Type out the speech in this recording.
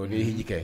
O n' ye h kɛ